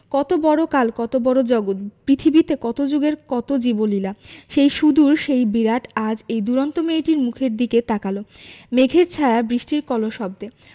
কত বড় কাল কত বড় জগত পৃথিবীতে কত জুগের কত জীবলীলা সেই সুদূর সেই বিরাট আজ এই দুরন্ত মেয়েটির মুখের দিকে তাকাল মেঘের ছায়ায় বৃষ্টির কলশব্দে